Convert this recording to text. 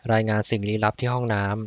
รายงานสิ่งลี้ลับที่ห้องน้ำ